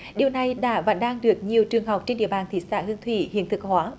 điều này đã và đang được nhiều trường học trên địa bàn thị xã hương thủy hiện thực hóa